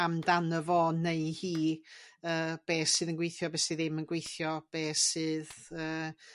amdano fo neu hi yy be' sydd yn gweithio be' sy ddim yn gweithio be' sydd yy